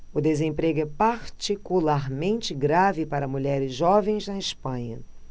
o desemprego é particularmente grave para mulheres jovens na espanha